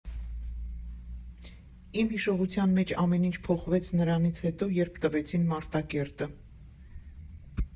Իմ հիշողության մեջ ամեն ինչ փոխվեց նրանից հետո, երբ տվեցին Մարտակերտը։